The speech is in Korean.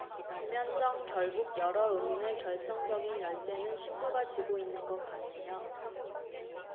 김현정 결국 여러 의문의 결정적인 열쇠는 신부가 쥐고 있는 거 같네요